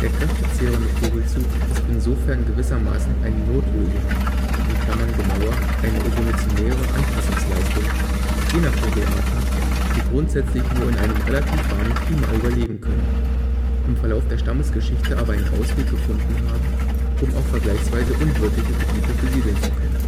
kräftezehrende Vogelzug ist insofern gewissermaßen eine „ Notlösung “(genauer: eine evolutionäre Anpassungsleistung) jener Vogelarten, die grundsätzlich nur in einem relativ warmen Klima überleben können, im Verlauf der Stammesgeschichte aber einen Ausweg gefunden haben, um auch vergleichsweise unwirtliche Gebiete besiedeln zu können